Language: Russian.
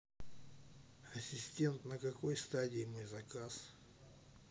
ассистент на какой стадии мой заказ